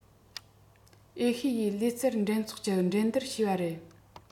ཨེ ཤེ ཡའི ལུས རྩལ འགྲན ཚོགས ཀྱི འགྲན བསྡུར བྱས པ རེད